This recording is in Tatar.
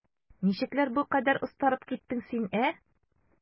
Ничекләр бу кадәр остарып киттең син, ә?